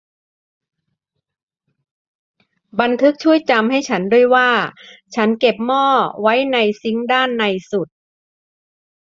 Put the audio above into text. บันทึกช่วยจำให้ฉันด้วยว่าฉันเก็บหม้อไว้ในซิงค์ด้านในสุด